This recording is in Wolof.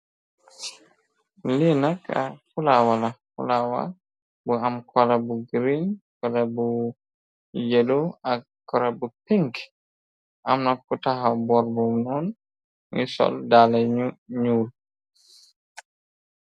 Li nak ab fulawala fulawa bu am kola bu green kola bu yëlo ak kola bu pink amna kutaxa borbu noon ngi sol daala yu ñyuul.